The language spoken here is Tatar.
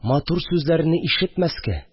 Матур сүзләрене ишетмәскә